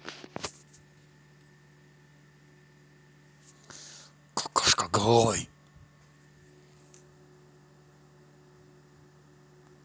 какашкоголовый